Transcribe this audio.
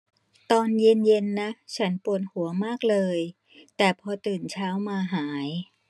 ตอนเย็นเย็นนะฉันปวดหัวมากเลยแต่พอตื่นเช้ามาหาย